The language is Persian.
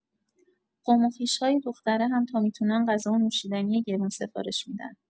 قوم و خویش‌های دختره هم تا می‌تونن غذا و نوشیدنی گرون سفارش می‌دن